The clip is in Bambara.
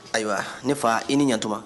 Ayiwa ne fa i ni ɲɛtuma